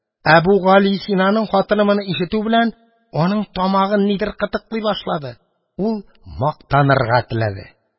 Әбүгалисинаның хатыны моны ишетү белән, аның тамагын нидер кытыклый башлады, ул мактанырга теләде.